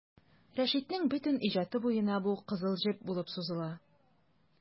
Рәшитнең бөтен иҗаты буена бу кызыл җеп булып сузыла.